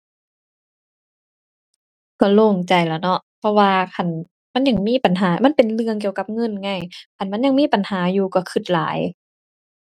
ก็โล่งใจล่ะเนาะ เพราะว่าคัน มันยังมีปัญหา มันเป็นเรื่องเกี่ยวกับเงินไง คันยังมีปัญหาอยู่ ก็ก็หลาย